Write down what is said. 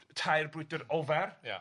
b- tair brwydyr ofar